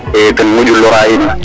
i ten moƴu loraa in